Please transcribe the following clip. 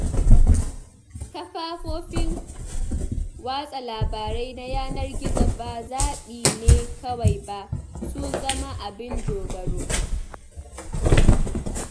Kafofin watsa labarai na yanar gizo ba zaɓi ne kawai ba: su zama abin dogaro